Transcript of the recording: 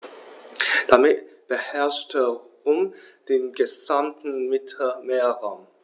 Damit beherrschte Rom den gesamten Mittelmeerraum.